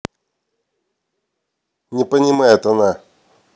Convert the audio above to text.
не понимает она